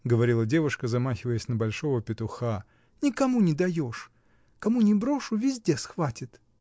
— говорила девушка, замахиваясь на большого петуха, — никому не даешь — кому ни брошу, везде схватит!